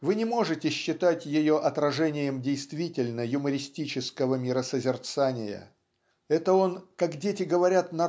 вы не можете считать ее отражением действительно юмористического миросозерцания. Это он как дети говорят